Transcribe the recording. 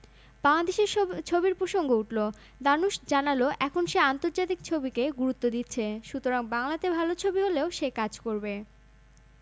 বাংলাদেশের সব ছবির প্রসঙ্গ উঠলো ধানুশ জানালো এখন সে আন্তর্জাতিক ছবিকে গুরুত্ব দিচ্ছে সুতরাং বাংলাতে ভালো ছবি হলেও সে কাজ করবে